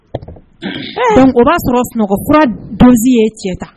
O b'a sɔrɔ sun kura donso ye cɛ